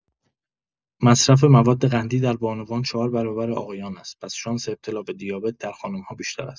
مصرف مواد قندی در بانوان ۴ برابر آقایان است پس شانس ابتلا به دیابت در خانم‌ها بیشتر است.